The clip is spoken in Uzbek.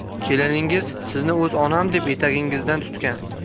keliningiz sizni o'z onam deb etagingizdan tutgan